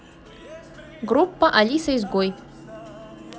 группа алиса изгой